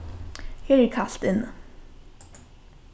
her er kalt inni